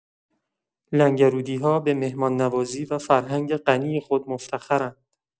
لنگرودی‌ها به مهمان‌نوازی و فرهنگ غنی خود مفتخرند.